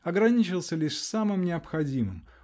ограничился лишь самым необходимым